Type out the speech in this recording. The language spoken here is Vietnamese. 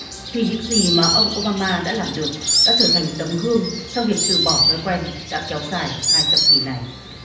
thì những gì mà ông ô ba ma đã làm được đã trở thành tấm gương trong việc từ bỏ thói quen đã kéo dài hai thập kỷ này